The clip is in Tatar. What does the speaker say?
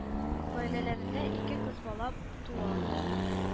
Гаиләләрендә ике кыз бала туа